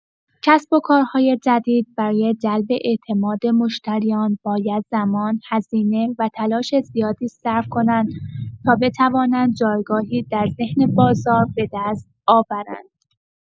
کسب‌وکارهای جدید برای جلب اعتماد مشتریان باید زمان، هزینه و تلاش زیادی صرف کنند تا بتوانند جایگاهی در ذهن بازار به دست آورند.